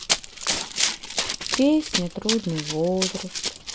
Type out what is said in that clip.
песня трудный возраст